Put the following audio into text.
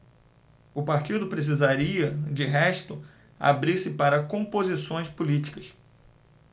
o partido precisaria de resto abrir-se para composições políticas